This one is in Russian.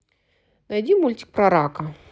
найди мультик про рака